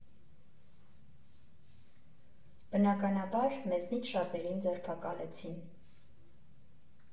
Բնականաբար, մեզնից շատերին ձերբակալեցին»։